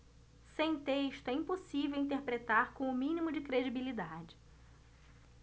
sem texto é impossível interpretar com o mínimo de credibilidade